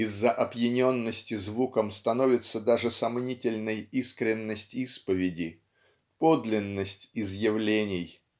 Из-за опьяненности звуком становится даже сомнительной искренность исповеди подлинность изъявлений.